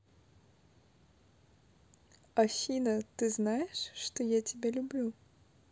афина ты знаешь что я тебя люблю